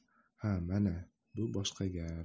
ha mana bu boshqa gap